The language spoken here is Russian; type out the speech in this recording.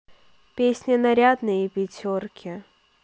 песня нарядные пятерки